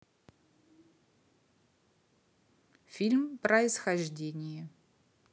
фильм происхождение